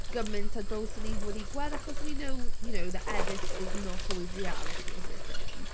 gymaint o dylse ni wedi gweld achos we know, you know, the edit is not always reality a bob dim.